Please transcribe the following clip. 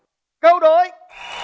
câu đối